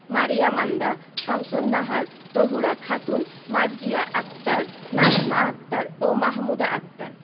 মারিয়া মান্দা শামসুন্নাহার তহুরা খাতুন মার্জিয়া আক্তার নাজমা আক্তার ও মাহমুদা আক্তার